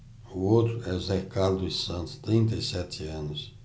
o outro é josé carlos dos santos trinta e sete anos